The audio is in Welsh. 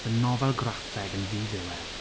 fy nofel graffeg yn ddi-ddiwedd.